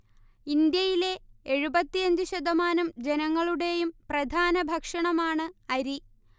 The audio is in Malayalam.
ഇന്ത്യയിലെ എഴുപത്തിയഞ്ച് ശതമാനം ജനങ്ങളുടേയും പ്രധാന ഭക്ഷണമാണ് അരി